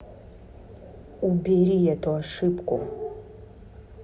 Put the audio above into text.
убери эту ошибку